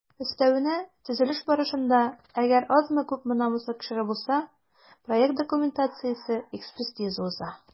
Өстәвенә, төзелеш барышында - әгәр азмы-күпме намуслы кешеләр булса - проект документациясе экспертиза уза.